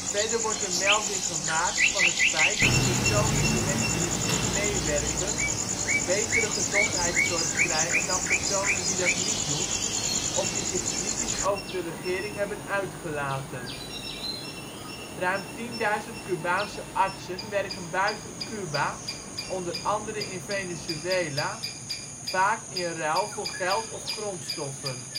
Verder wordt er melding gemaakt van het feit dat personen die met het regime meewerken betere gezondheidszorg krijgen dan personen die dat niet doen of die zich kritisch over de regering hebben uitgelaten. [bron?] Ruim 10.000 Cubaanse artsen werken buiten Cuba, onder andere in Venezuela, vaak in ruil voor geld of grondstoffen